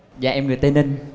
dạ em người tây ninh